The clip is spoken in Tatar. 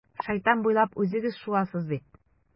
Шайтан буйлап үзегез шуасыз бит.